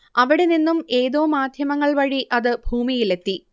അവിടെ നിന്നും ഏതോ മാധ്യമങ്ങൾ വഴി അത് ഭൂമിയിലെത്തി